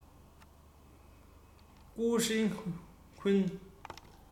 ཀུའོ ཧྲེང ཁུན